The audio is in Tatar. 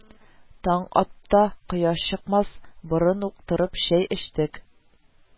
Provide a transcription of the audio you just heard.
Таң атта, кояш чыкмас борын ук торып чәй эчтек